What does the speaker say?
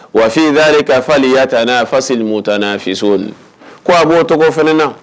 Ko a bo cɔgo fana na.